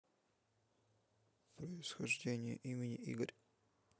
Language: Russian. происхождение имени игорь